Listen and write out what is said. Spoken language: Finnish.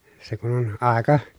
se kun on aika